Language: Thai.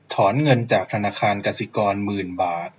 ถอนเงินจากธนาคารกสิกรหมื่นบาท